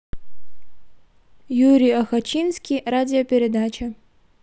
юрий охочинский радиопередача